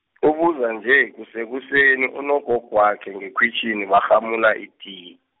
ubuza nje kusekuseni, unogogwakhe ngekhwitjhini barhamula itiye.